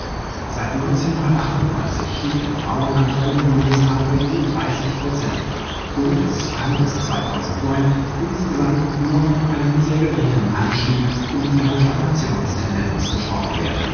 Seit 1998 liegt der Frauenanteil im Bundestag bei gut 30 % und es kann bis 2009 insgesamt nur von einem sehr geringen Anstieg und einer Stagnationstendenz gesprochen werden